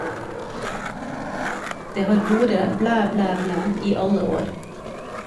Det har vore blæ, blæ, blæ i alle år.